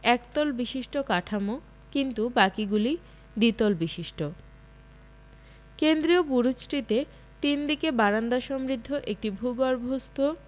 একতল বিশিষ্ট কাঠামো কিন্তু বাকিগুলি দ্বিতল বিশিষ্ট কেন্দ্রীয় বুরুজটিতে তিন দিকে বারান্দা সমৃদ্ধ একটি ভূগর্ভস্থ